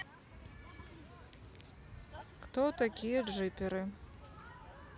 кто такие джиперы